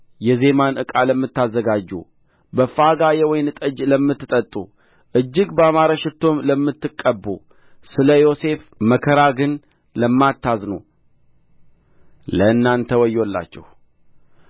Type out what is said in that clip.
የዜማን ዕቃ ለምታዘጋጁ በፋጋ የወይን ጠጅ ለምትጠጡ እጅግ ባማረ ሽቱም ለምትቀቡ ስለ ዮሴፍ መከራ ግን ለማታዝኑ ለእናንተ ወዮላችሁ